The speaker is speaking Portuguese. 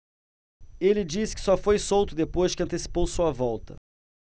ele disse que só foi solto depois que antecipou sua volta